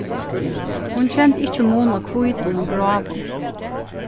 hon kendi ikki mun á hvítum og gráum